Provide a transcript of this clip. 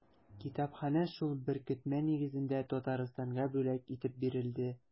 Китапханә шул беркетмә нигезендә Татарстанга бүләк итеп бирелде.